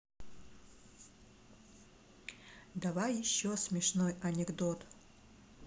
давай еще смешной анекдот